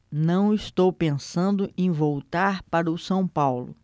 não estou pensando em voltar para o são paulo